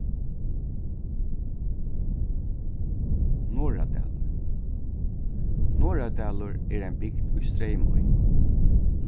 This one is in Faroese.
norðradalur norðradalur er ein bygd í streymoy